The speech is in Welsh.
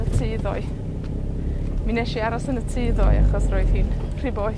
y tŷ ddoe. Mi nesh i aros yn y tŷ ddoe achos roedd hi'n rhy boeth